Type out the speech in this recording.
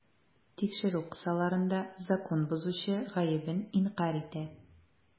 Тикшерү кысаларында закон бозучы гаебен инкарь итә.